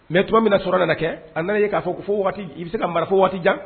Mɛ tuma min na sɔrɔla nana kɛ a n'a ye k'a fɔ fɔ i bɛ se ka marifa waati jan